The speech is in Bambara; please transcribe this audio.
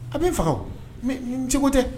A b bɛ n faga n cogo tɛ